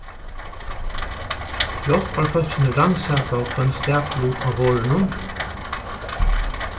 hjálparfólkini rannsakaðu hvønn staklut á borðinum